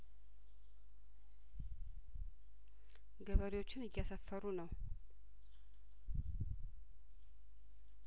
ገበሬዎችን እያሰፈሩ ነው